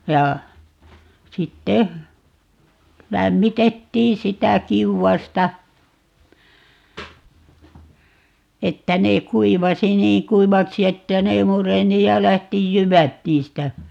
ja sitten lämmitettiin sitä kiuasta että ne kuivasi niin kuivaksi että ne mureni ja lähti jyvät niistä